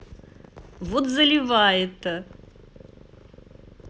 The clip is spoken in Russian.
вот заливаета